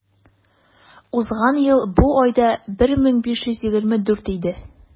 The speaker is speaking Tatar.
Узган ел бу айда 1524 иде.